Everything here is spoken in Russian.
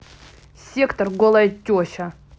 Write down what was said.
сектор голая теща